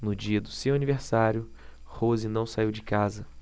no dia de seu aniversário rose não saiu de casa